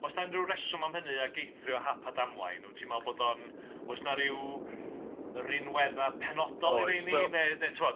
Oes 'na unrhyw rheswm am hynny ac eithrio hap a damwain? Wyt ti'n meddwl bod o'n... Oes 'na rhyw rinweddau penodol i'r rheiny, neu? Ti'bod...